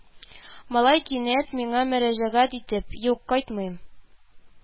Малай кинәт миңа мөрәҗәгать итеп: – юк, кайтмыйм